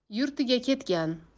yurtiga ketgan